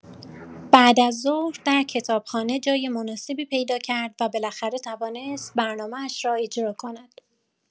بعدازظهر در کتابخانه جای مناسبی پیدا کرد و بالاخره توانست برنامه‌اش را اجرا کند.